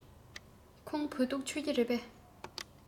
ཁོང བོད ཐུག མཆོད ཀྱི རེད པས